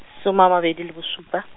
some a mabedi le bošupa.